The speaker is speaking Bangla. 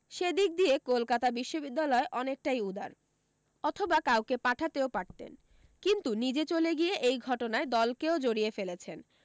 সে দিক দিয়ে কলকাতা বিশ্ববিদ্যালয় অনেকটাই উদার অথবা কাউকে পাঠাতেও পারতেন কিন্তু নিজে চলে গিয়ে এই ঘটনায় দলকেও জড়িয়ে ফেলেছেন